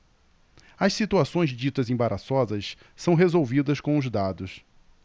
as situações ditas embaraçosas são resolvidas com os dados